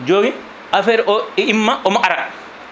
joni affaire imma omo ara